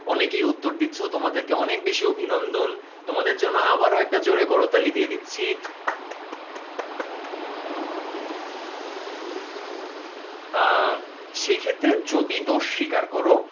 অনেকে উত্তর দিচ্ছ তোমাদেরকে অভিনন্দন তোমাদের জন্য আবারও একটা জোরে করতালি দিয়ে দিচ্ছি সেই ক্ষেত্রে যদি দোষ স্বীকার করো